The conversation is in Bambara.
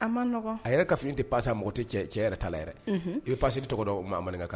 a yɛrɛ fini tɛ pa cɛ i bɛ tɔgɔ manin kan